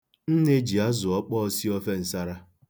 Nne ji azụọkpọọ si ofe nsara.